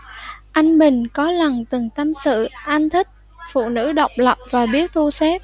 anh bình có lần từng tâm sự anh thích phụ nữ độc lập và biết thu xếp